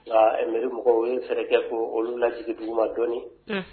Mɛmɔgɔ u ye fɛ ko olu lasigi dugu ma dɔɔnin